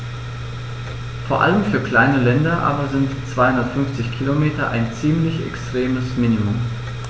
Vor allem für kleine Länder aber sind 250 Kilometer ein ziemlich extremes Minimum.